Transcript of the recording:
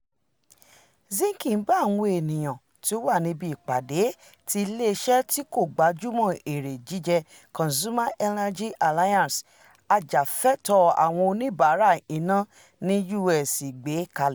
Zinke ń bá àwọn ènìyàn tí ó wà níbi ìpàdé ti Ilé iṣẹ́ tí kò gbájúmọ́ eré jíjẹ Consumer Energy Alliance (Ajàfẹ́tọ̀ọ́ àwọn oníbàárà iná) ní US gbé kalẹ̀.